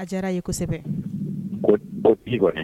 A diyara ye kosɛbɛ, ko ko bi kɔni